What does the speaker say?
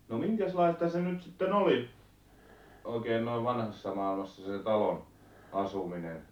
no minkäslaista se nyt sitten oli oikein noin vanhassa maailmassa se talon asuminen